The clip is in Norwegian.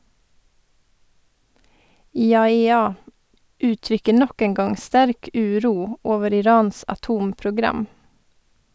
IAEA uttrykker nok en gang sterk uro over Irans atomprogram.